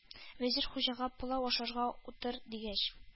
Вәзир Хуҗага, пылау ашарга утыр, дигәч,